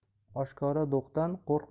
oshkora do'qdan qo'rqma